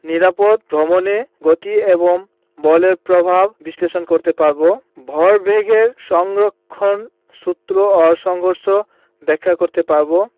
নিরাপদ ভ্রমণে গতি এবং বলের প্রভাব বিশ্লেষণ করতে পারব ভরবেগের সংরক্ষণ সূত্র ও সংঘর্ষ ব্যাখ্যা করতে পারব